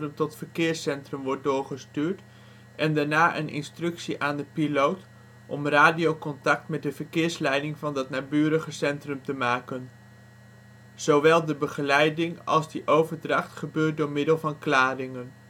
tot verkeerscentrum wordt doorgestuurd en daarna een instructie aan de piloot om radiocontact met de verkeersleiding van dat naburige centrum te maken. Zowel de begeleiding als die overdracht gebeurt door middel van klaringen